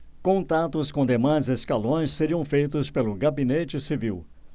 contatos com demais escalões seriam feitos pelo gabinete civil